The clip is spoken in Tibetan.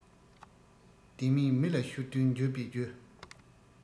ལྡེ མིག མི ལ ཤོར དུས འགྱོད པའི རྒྱུ